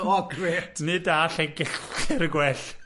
Nid da lle gellir y gwellt.